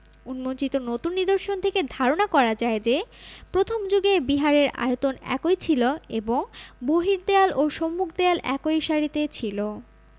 উন্মোচিত নতুন নিদর্শন থেকে ধারণা করা যায় যে প্রথম যুগে বিহারের আয়তন একই ছিল এবং বহির্দেয়াল ও সম্মুখ দেয়াল একই সারিতে ছিল